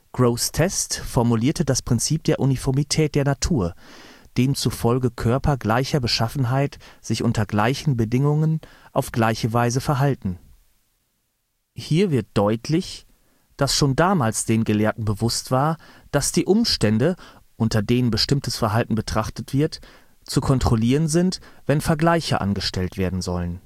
Grosseteste formulierte das Prinzip der Uniformität der Natur, demzufolge Körper gleicher Beschaffenheit sich unter gleichen Bedingungen auf gleiche Weise verhalten. Hier wird deutlich, dass schon damals den Gelehrten bewusst war, dass die Umstände, unter denen bestimmtes Verhalten betrachtet wird, zu kontrollieren sind, wenn Vergleiche angestellt werden sollen